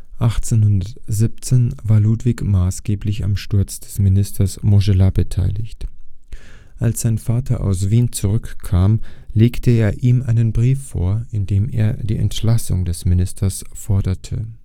1817 war Ludwig maßgeblich am Sturz des Ministers Montgelas beteiligt. Als sein Vater aus Wien zurückkam, legte er ihm einen Brief vor, in dem er die Entlassung des Ministers forderte